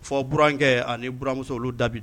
Fɔ burankɛ ani bmuso olu dabi